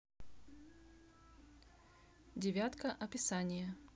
девятка описание